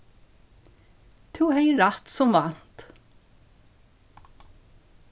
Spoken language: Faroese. tú hevði rætt sum vant